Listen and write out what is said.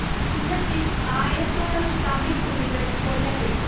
യുദ്ധത്തിൽ ആയിരത്തോളം തമിഴ് പുലികൾ കൊല്ലപ്പെട്ടു